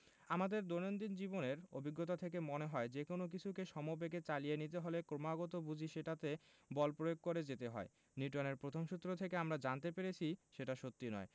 আমাদের দৈনন্দিন জীবনের অভিজ্ঞতা থেকে মনে হয় যেকোনো কিছুকে সমবেগে চালিয়ে নিতে হলে ক্রমাগত বুঝি সেটাতে বল প্রয়োগ করে যেতে হয় নিউটনের প্রথম সূত্র থেকে আমরা জানতে পেরেছি সেটা সত্যি নয়